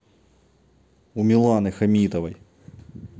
у миланы хамитовой